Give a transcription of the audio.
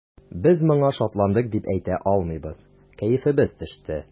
Без моңа шатландык дип әйтә алмыйбыз, кәефебез төште.